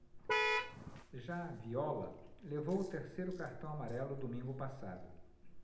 já viola levou o terceiro cartão amarelo domingo passado